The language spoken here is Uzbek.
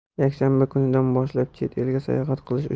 yakshanba kunidan boshlab chet elga sayohat qilish